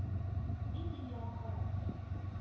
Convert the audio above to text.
Мин дөньяга карап торам